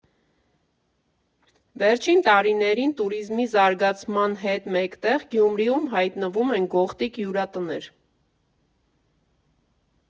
Վերջին տարիներին՝ տուրիզմի զարգացման հետ մեկտեղ, Գյումրիում հայտնվում են գողտրիկ հյուրատներ.